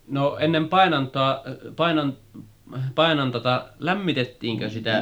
no ennen painantaa painantaa lämmitettiinkö sitä